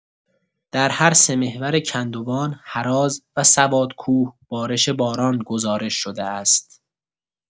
در هر سه محور کندوان، هراز و سوادکوه بارش باران گزارش شده است.